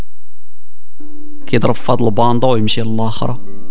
يرفض الباندا والمشي الاخره